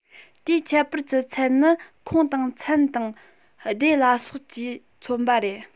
དེའི ཁྱད པར གྱི ཚད ནི ཁོངས དང ཚན དང སྡེ ལ སོགས ཀྱིས མཚོན པ རེད